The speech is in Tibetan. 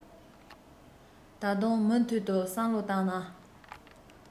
ད དུང མུ མཐུད དུ བསམ བློ བཏང ན